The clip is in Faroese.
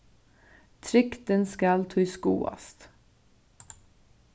trygdin skal tí skoðast